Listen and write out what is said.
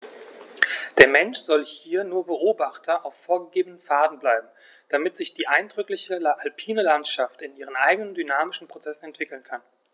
Der Mensch soll hier nur Beobachter auf vorgegebenen Pfaden bleiben, damit sich die eindrückliche alpine Landschaft in ihren eigenen dynamischen Prozessen entwickeln kann.